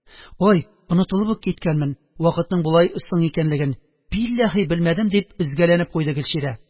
– ой, онытылып ук киткәнмен, вакытның болай соң икәнлеген, билләһи, белмәдем, – дип өзгәләнеп куйды гөлчирә